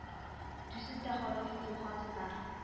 Түзем дә халык инде бу хатыннар